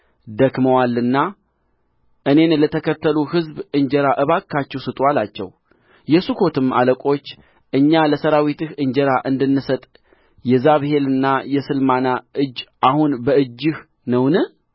ደክመዋልና እኔን ለተከተሉ ሕዝብ እንጀራ እባካችሁ ስጡ አላቸው የሱኮትም አለቆች እኛ ለሠራዊትህ እንጀራ እንድንሰጥ የዛብሄልና የስልማና እጅ አሁን በእጅህ ነውን አሉ